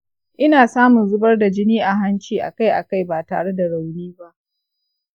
ina samun zubar da jini a hanci akai-akai ba tare da rauni ba.